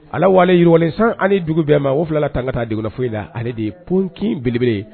Ala yiriwalen san ani dugu bɛɛ ma o fila tan ka taa dugu la foyi la ale de ye p kin in beleb